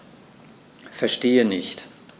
Verstehe nicht.